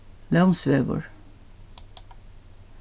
lómsvegur